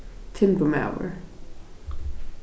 timburmaður